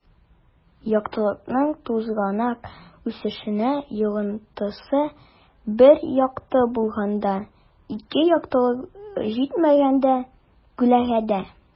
Яктылыкның тузганак үсешенә йогынтысы: 1 - якты булганда; 2 - яктылык җитмәгәндә (күләгәдә)